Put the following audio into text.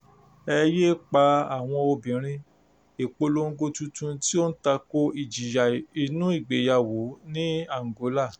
Ẹ Yé é Pa Àwọn Òbìnrin' – ìpolongo tuntun tí ó ń tako ìjìyà inú ìgbéyàwó ní Angola